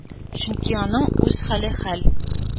Чөнки аның үз хәле хәл: